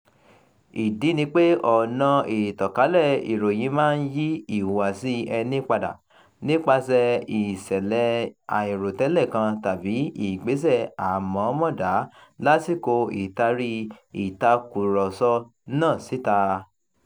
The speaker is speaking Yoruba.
Ìdí ni pé ọ̀nà ìtànkálẹ̀ ìròyìn "máa ń yí ìhùwàsí ẹni padà" nípasẹ̀ "ìṣẹ̀lẹ̀ àìròtẹ́lẹ̀ kan tàbí ìgbésẹ̀ àmọ̀ọ́mọ̀ dá lásìkò ìtari ìtàkùrọ̀sọ [náà] síta".